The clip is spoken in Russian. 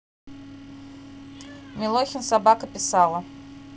милохин собака писала